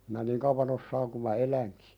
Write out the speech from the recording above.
minä niin kauan osaan kun minä elän